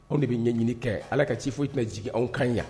Anw de bɛ ɲɛɲinini kɛ, Ala ka ci foyi tɛna jigin an kan yan.